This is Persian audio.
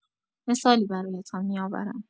مثالی برایتان می‌آورم.